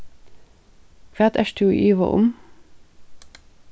hvat ert tú í iva um